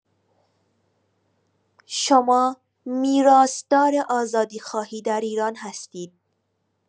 شما میراث‌دار آزادی‌خواهی در ایران هستید.